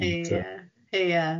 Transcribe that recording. Ie, ie.